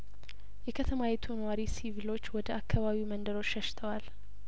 የከተማይቱ ነዋሪ ሲቪሎች ወደ አካባቢው መንደሮች ሸሽተዋል